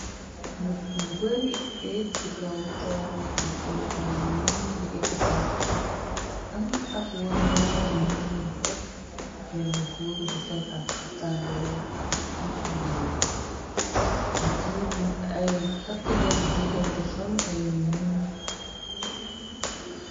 nit ñu bari ettikaw took di saytan ñenee ñi di ekkti loxo añun ab warwaay bu ñuul bu épp lenn góor bu sol ab xaftaan bu weex ak maxanamu weex ay takk der jiital ko sol ay ñuul